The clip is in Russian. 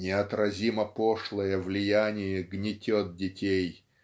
"Неотразимо пошлое влияние гнетет детей